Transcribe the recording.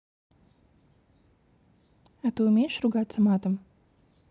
а ты умеешь ругаться матом